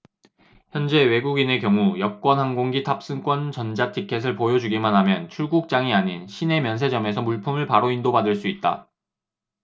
현재 외국인의 경우 여권 항공기 탑승권 전자티켓을 보여주기만 하면 출국장이 아닌 시내면세점에서 물품을 바로 인도받을 수 있다